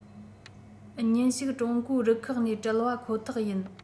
ཉིན ཞིག ཀྲུང གོའི རུ ཁག ནས བྲལ བ ཁོ ཐག ཡིན